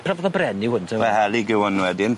Pa ry- fath o bren yw 'wn... Y helyg yw 'wn wedyn.